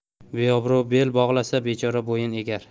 beobro' bel bog'lasa bechora bo'yin egar